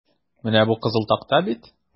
Менә бу кызыл такта бит?